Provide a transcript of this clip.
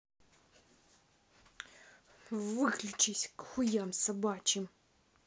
выключись к хуям собачьим